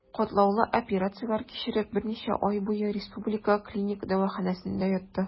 Катлаулы операцияләр кичереп, берничә ай буе Республика клиник дәваханәсендә ятты.